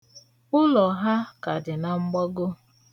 Ụlọ ha ka dị na mgbago.